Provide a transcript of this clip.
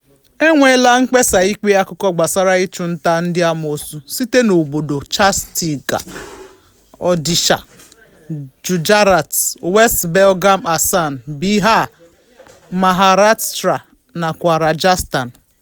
E nweela mkpesa ikpe akụkọ gbasara ịchụnta ndị amoosu site n'obodo Chattisgarh, Odisha, Gujarat, West Bengal Assam, Bihar, Maharashtra nakwa Rajasthan.